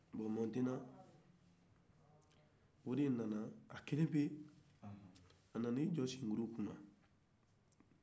bon maintenant o de nana a kelen be an'i jɔ tasuma kun na